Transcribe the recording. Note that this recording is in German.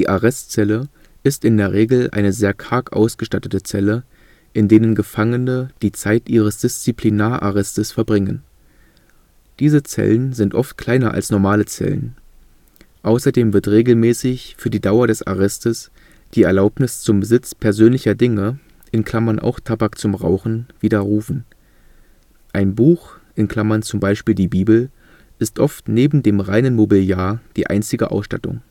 Arrestzelle: In der Regel sehr karg ausgestattete Zelle, in denen Gefangene die Zeit ihres Disziplinararrestes verbringen. Diese Zellen sind oft kleiner als normale Zellen. Außerdem wird regelmäßig für die Dauer des Arrestes die Erlaubnis zum Besitz persönlicher Dinge (auch Tabak zum Rauchen) widerrufen. Ein Buch (z. B. die Bibel) ist oft neben dem reinen Mobiliar die einzige Ausstattung